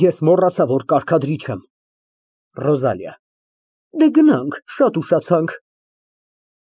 Ես մոռացա, որ կարգադրիչ եմ։ ՌՈԶԱԼԻԱ ֊ Դե, գնանք, շատ ուշացանք։